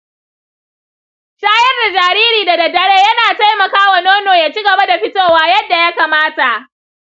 shayar da jariri da daddare yana taimaka wa nono ya ci gaba da fitowa yadda ya kamata.